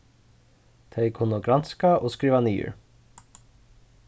tey kunnu granska og skriva niður